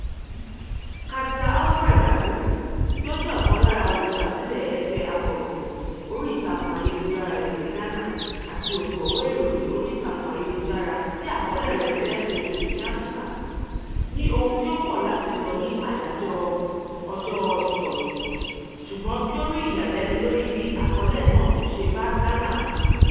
Kajsa Hallberg Adu, tí ó jẹ́ ọ̀kan lára olùdásílẹ̀ ẹgbẹ́ akọ̀ròyìn orí ìtàkùn ayélujára ilẹ̀ Ghana àti òǹkọ̀wé ìròyìn orí ìtàkùn ayélujára tí àkọlé rẹ̀ ń jẹ́ òjò ní Áfríkà, ní ohun tí ó pọ̀ láti sọ ní àyájọ́ ọjọ́ ìkọ̀ròyìn, ṣùgbọ́n tí ó rí ìyàlẹ́nu lórí "bí àkọlé náà kò ṣe bá Ghana mu"